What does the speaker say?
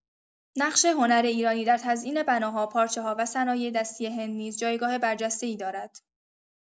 نقش هنر ایرانی در تزیین بناها، پارچه‌ها و صنایع‌دستی هند نیز جایگاه برجسته‌ای دارد.